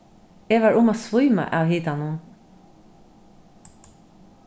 eg var um at svíma av hitanum